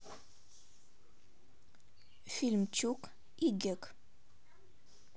фильм чук и гек